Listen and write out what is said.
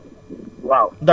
54